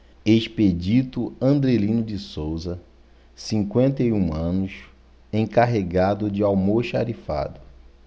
expedito andrelino de souza cinquenta e um anos encarregado de almoxarifado